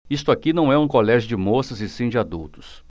isto aqui não é um colégio de moças e sim de adultos